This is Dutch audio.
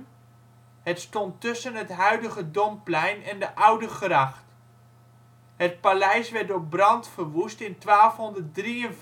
tussen het huidige Domplein en de Oudegracht. Het paleis werd door brand verwoest in 1253